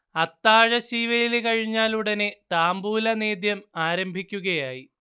അത്താഴ ശീവേലി കഴിഞ്ഞാലുടനെ താംബൂലനേദ്യം ആരംഭിക്കുകയായി